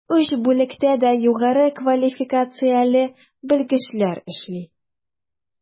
Өч бүлектә дә югары квалификацияле белгечләр эшли.